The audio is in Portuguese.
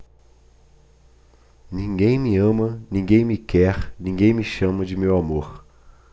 ninguém me ama ninguém me quer ninguém me chama de meu amor